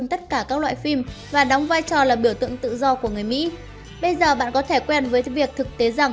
trong tất cả các loại phim và đóng vai trò là biểu tượng tự do của người mỹ bây giờ bạn có thể quen với thực tế rằng